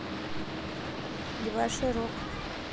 дебошир okko